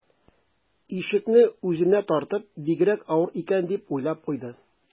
Ишекне үзенә тартып: «Бигрәк авыр икән...», - дип уйлап куйды